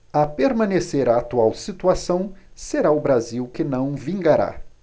a permanecer a atual situação será o brasil que não vingará